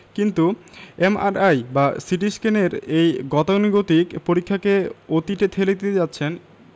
কিন্তু এমআরআই কিংবা সিটিস্ক্যানের এই গতানুগতিক পরীক্ষাকে অতীতে ঠেলে দিতে যাচ্ছেন